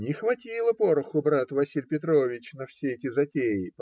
Не хватило пороху, брат Василий Петрович, на все эти затеи